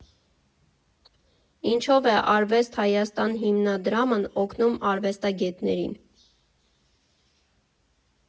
Ինչով է Արվեստ Հայաստան հիմնադրամն օգնում արվեստագետներին։